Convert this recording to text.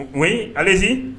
Oui allez - y